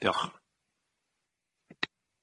Diolch.